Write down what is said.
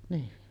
niin